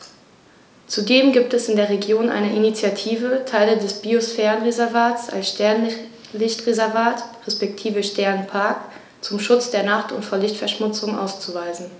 Zudem gibt es in der Region eine Initiative, Teile des Biosphärenreservats als Sternenlicht-Reservat respektive Sternenpark zum Schutz der Nacht und vor Lichtverschmutzung auszuweisen.